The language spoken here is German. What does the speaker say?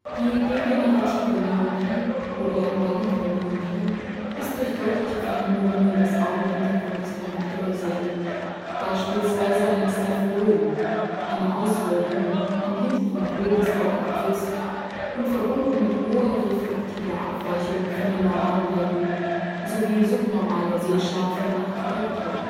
Die Degenerative Myopie oder Maligne Myopie ist durch deutliche Veränderungen des Augenhintergrundes charakterisiert, beispielsweise ein Staphylom (eine Auswölbung am hinteren Pol des Augapfels), und verbunden mit hoher refraktiver Abweichung von den Normalwerten sowie subnormaler Sehschärfe nach Korrektur